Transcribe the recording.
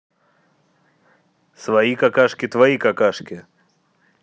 свои какашки твои какашки